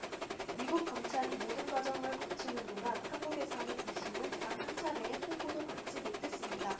미국 검찰이 모든 과정을 거치는 동안 한국에 사는 이 씨는 단 한차례의 통보도 받지 못했습니다